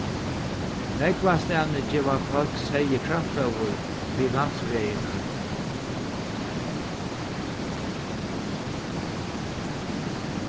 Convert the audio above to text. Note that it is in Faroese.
nógvastaðni geva fólk seyði kraftfóður við landsvegirnar